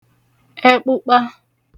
ẹkpụkpa